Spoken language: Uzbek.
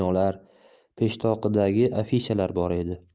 baland binolar peshtoqidagi afishalar bor edi